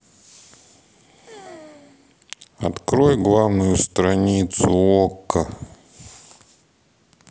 открой главную страницу окко